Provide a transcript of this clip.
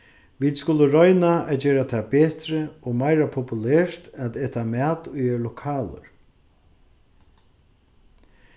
vit skulu royna at gera tað betri og meira populert at eta mat ið er lokalur